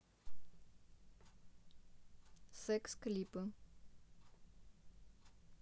секс клипы